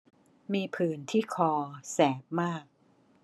มีผื่นที่คอแสบมาก